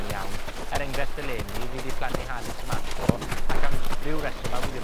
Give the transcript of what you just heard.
yn iawn, er enghrefft, eleni fi 'di plannu hade tomato, ac am ryw reswm a wi ddim